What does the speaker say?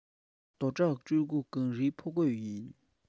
རྡོ བྲག སྤྲུལ སྐུ གངས རིའི ཕོ རྒོད ཡིན